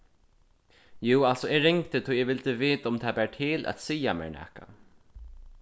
jú altso eg ringdi tí eg vildi vita um tað bar til at siga mær nakað